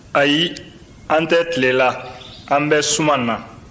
ayi an tɛ tile la an bɛ suma na